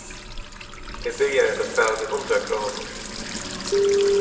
eg byrjaði hetta spælið við hundrað krónum